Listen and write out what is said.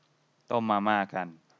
ต้มมาม่ากัน